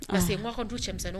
Parce que waga ka du cɛmisɛnsɛn